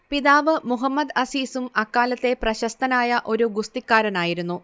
പിതാവ് മുഹമ്മദ് അസീസും അക്കാലത്തെ പ്രശസ്തനായ ഒരു ഗുസ്തിക്കാരനായിരുന്നു